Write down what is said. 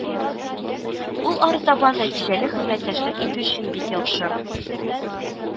Ул арытаба нәтиҗәле хезмәттәшлек итү өчен бик яхшы